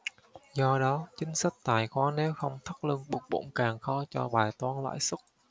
do đó chính sách tài khóa nếu không thắt lưng buộc bụng càng khó cho bài toán lãi suất